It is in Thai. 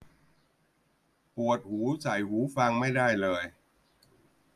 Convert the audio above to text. ปวดหูใส่หูฟังไม่ได้เลย